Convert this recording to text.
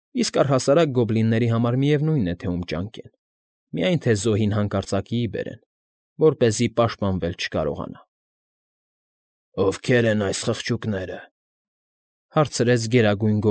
Իսկ առհասարակ, գոբլինների համար միևնույն է, թե ում ճանկեն, միայն թե զոհին հանկարծակիի բերեն, որպեսզի պաշտպանվել չկարողանա։ ֊ Ովքե՞ր են այս խղճուկները,֊ հարցրեց Գերագույն։